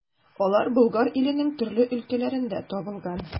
Алар Болгар иленең төрле өлкәләрендә табылган.